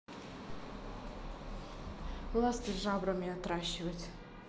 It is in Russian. ласты жабрами отращивать